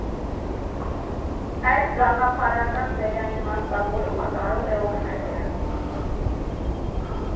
Այս գաղափարական վերաիմաստավորումը կարող է օգնել դրան։